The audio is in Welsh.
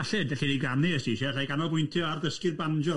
Alli, gallu di ganu os ti isie, allai ganolbwyntio ar ddysgu'r banjo.